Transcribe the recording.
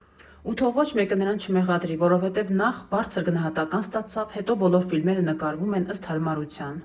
Ու թող ոչ մեկը նրան չմեղադրի, որովհետև նախ՝ բարձր գնահատական ստացավ, հետո՝ բոլոր ֆիլմերը նկարվում են ըստ հարմարության։